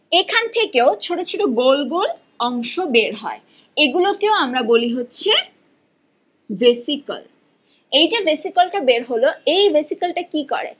থেকে ছোট ছোট গোল গোল অংশ বের হয় এগুলো কে আমরা বলি হচ্ছে ভেসিকল এই যে ভেসিকল টা বের হলো এই ভেসিকল টা কি করে